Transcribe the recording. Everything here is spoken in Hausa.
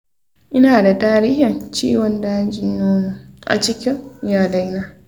ina da tarihin ciwon dajin nono a cikin iyalina.